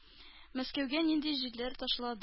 Мәскәүгә нинди җилләр ташлады?